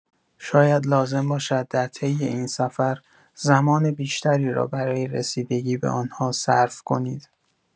شاید لازم باشد، در طی این سفر، زمان بیشتری را برای رسیدگی به آن‌ها صرف کنید.